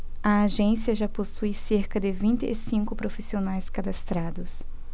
a agência já possui cerca de vinte e cinco profissionais cadastrados